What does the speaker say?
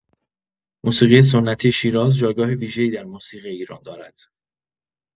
موسیقی سنتی شیراز جایگاه ویژه‌ای در موسیقی ایرانی دارد.